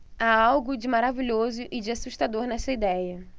há algo de maravilhoso e de assustador nessa idéia